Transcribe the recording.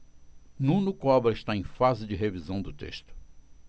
nuno cobra está em fase de revisão do texto